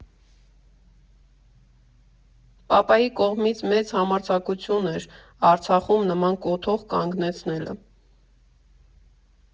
Պապայի կողմից մեծ համարձակություն էր Արցախում նման կոթող կանգնեցնելը։